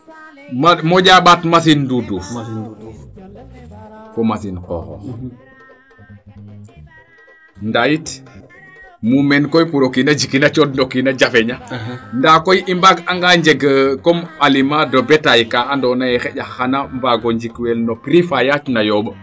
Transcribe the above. moƴa mbaat machine duuduuf fo machine qoxoox ndaa yit mumeen koy pour o kiina jikin a coond no kiina jafe ña ndaa koy i mbaag anga njeg comme aliment de betail kaa ando naye xaƴa xaya mbaago njik wel no prix faa yaac na yomb